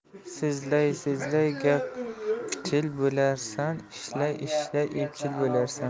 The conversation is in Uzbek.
so'zlay so'zlay gapchil bolarsan ishlay ishlay epchil bo'larsan